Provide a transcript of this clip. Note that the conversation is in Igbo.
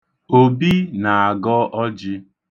Obi na-agọ ọjị.